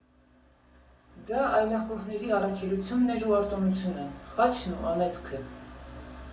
Դա այլախոհների առաքելությունն էր ու արտոնությունը, խաչն ու անեծքը։